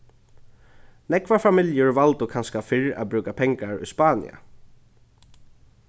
nógvar familjur valdu kanska fyrr at brúka pengar í spania